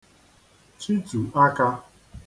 -chịtù akā